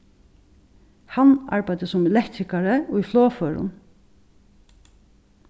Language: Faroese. hann arbeiddi sum elektrikari í flogførum